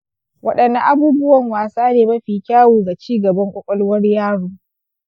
wadanne abubuwan wasa ne mafi kyau ga ci gaban ƙwaƙwalwar yaro?